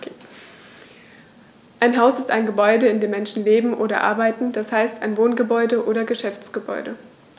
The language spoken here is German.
Ein Haus ist ein Gebäude, in dem Menschen leben oder arbeiten, d. h. ein Wohngebäude oder Geschäftsgebäude.